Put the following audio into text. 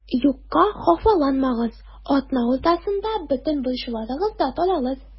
Юкка хафаланмагыз, атна уртасында бөтен борчуларыгыз да таралыр.